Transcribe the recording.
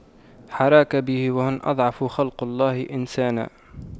حراك به وهن أضعف خلق الله إنسانا